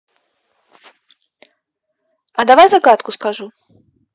а давайте загадку скажу